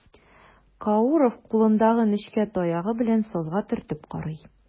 Кауров кулындагы нечкә таягы белән сазга төртеп карый.